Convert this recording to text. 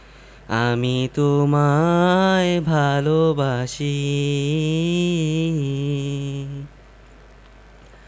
আমি তোমায় ভালোবাসি